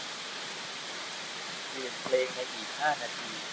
เปลี่ยนเพลงในอีกห้านาที